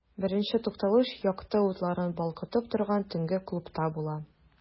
Беренче тукталыш якты утларын балкытып торган төнге клубта була.